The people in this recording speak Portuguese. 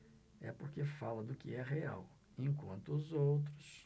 é porque falo do que é real enquanto os outros